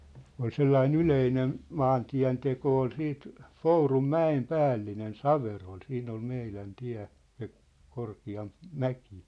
oli sellainen yleinen maantienteko oli sitten Pourunmäen päällinen Saverolla siinä oli meidän tie se korkeampi mäki